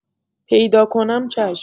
پیدا کنم چشم